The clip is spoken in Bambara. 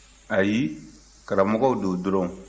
ayi karamɔgɔw don dɔrɔn